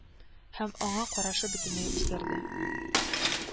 Һәм аңа карашы бөтенләй үзгәрде